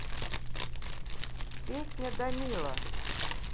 песня данила